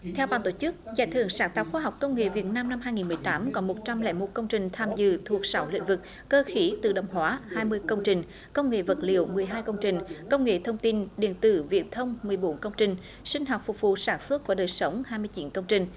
theo ban tổ chức giải thưởng sáng tạo khoa học công nghệ việt nam năm hai nghìn mười tám còn một trăm lẻ một công trình tham dự thuộc sáu lĩnh vực cơ khí tự động hóa hai mươi công trình công nghệ vật liệu mười hai công trình công nghệ thông tin điện tử viễn thông mười bốn công trình sinh học phục vụ sản xuất và đời sống hai mươi chín công trình